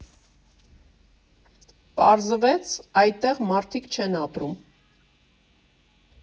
Պարզվեց՝ այդտեղ մարդիկ չեն ապրում։